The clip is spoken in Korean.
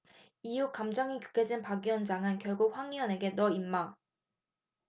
이후 감정이 격해진 박 위원장은 결국 황 의원에게 너 임마